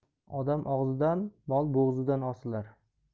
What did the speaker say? odam og'zidan mol bo'g'zidan osilar